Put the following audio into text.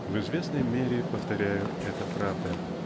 В известной мере, повторяю, это -- правда.